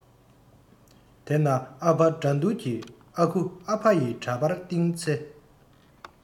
དེ ན ཨ ཕ དགྲ འདུལ གྱི ཨ ཁུ ཨ ཕ ཡི འདྲ པར སྟེང ཚེ